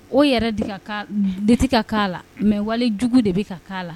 O yɛrɛ tɛ ka k'a la de tɛ ka k'a la mais walijugu de bɛ ka k'a la.